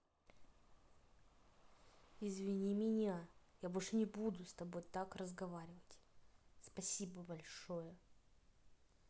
извини меня я больше не буду с тобой так разговаривать спасибо большое